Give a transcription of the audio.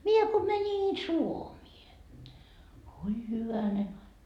minä kun menin Suomeen oi hyvänen aika